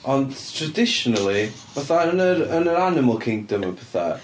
Ond, traditionally fatha yn yr yn yr animal kingdom a petha...